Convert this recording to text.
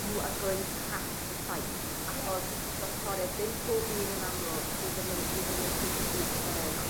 you are going to have to fight. Ie. Achos doctoried ddim pob un yn amlwg dwi ddim yn dwi ddim yn pwyntio bys fan 'yn on'